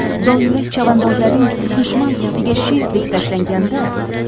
dovyurak chavandozlaring dushman ustiga sherdek tashlanganda